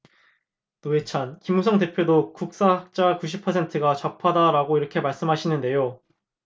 노회찬 김무성 대표도 국사학자 구십 퍼센트가 좌파다라고 이렇게 말씀을 하시는데요